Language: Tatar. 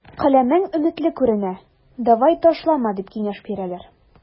Каләмең өметле күренә, давай, ташлама, дип киңәш бирәләр.